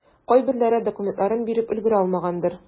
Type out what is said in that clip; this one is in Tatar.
Кайберләре документларын биреп өлгерә алмагандыр.